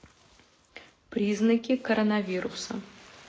признаки коронавируса